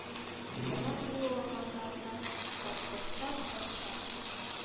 Кара куе урманнарны капкорсак патша